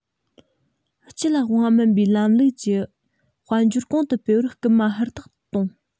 སྤྱི ལ དབང བ མིན པའི ལམ ལུགས ཀྱི དཔལ འབྱོར གོང དུ སྤེལ བར སྐུལ མ ཧུར ཐག གཏོང